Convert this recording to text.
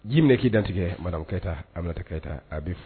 Ji minɛ k'i dantigɛ marakɛyita akɛyita a bɛ